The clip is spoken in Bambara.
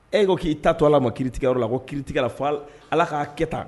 E ko k'i ta to ala ma ki tigɛyɔrɔ la ko kitigɛla ala ka kɛ taa